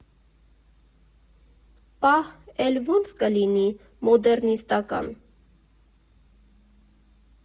֊ Պահ, էլ ո՞նց կլինի, մոդեռնիստական։